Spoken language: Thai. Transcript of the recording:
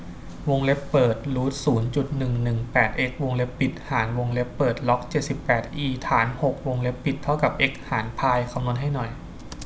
วงเล็บเปิดรูทศูนย์จุดหนึ่งหนึ่งแปดเอ็กซ์วงเล็บปิดหารวงเล็บเปิดล็อกเจ็ดสิบแปดอีฐานหกวงเล็บปิดเท่ากับเอ็กซ์หารพายคำนวณให้หน่อย